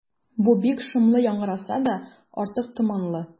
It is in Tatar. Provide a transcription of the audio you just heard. Бу бик шомлы яңгыраса да, артык томанлы.